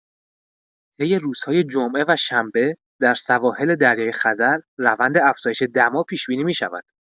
طی روزهای جمعه و شنبه در سواحل دریای‌خزر روند افزایش دما پیش‌بینی می‌شود.